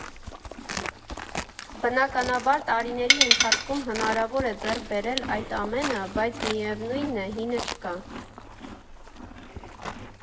Բնականաբար տարիների ընթացքում հնարավոր է ձեռք բերել այդ ամենը, բայց միևնույն է՝ հինը չկա։